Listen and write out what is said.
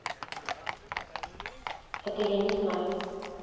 это я не знаю